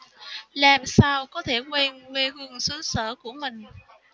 làm sao có thể quên quê hương xứ sở của mình